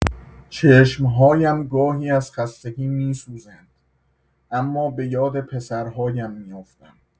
چشم‌هایم گاهی از خستگی می‌سوزند اما بۀاد پسرهایم می‌افتم.